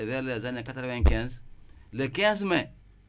vers les années quatre vingt quinze le quinze mai